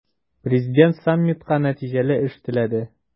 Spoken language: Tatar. Президент саммитка нәтиҗәле эш теләде.